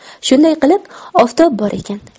shunday qilib oftob bor ekan